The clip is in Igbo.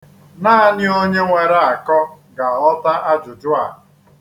Naanị onye nwere akọ ga-aghọta ajụjụ a.